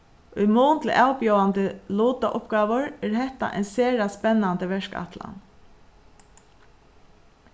í mun til avbjóðandi lutauppgávur er hetta ein sera spennandi verkætlan